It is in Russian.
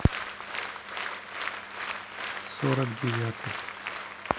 сорок девятый